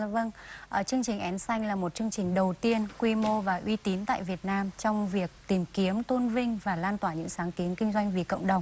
vâng ở chương trình én xanh là một chương trình đầu tiên quy mô và uy tín tại việt nam trong việc tìm kiếm tôn vinh và lan tỏa những sáng kiến kinh doanh vì cộng đồng